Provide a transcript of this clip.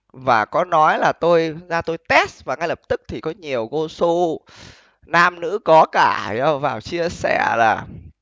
và có nói là tôi ra tôi tét và ngay lập tức thì có nhiều cô sô nam nữ có cả vào chia sẻ là